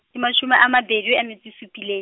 e mashome a mabedi a metso supile.